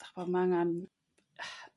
'dych ch'mo' ma' angan